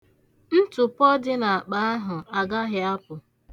Ntụpọ dị n'akpa ahụ agaghị apụ.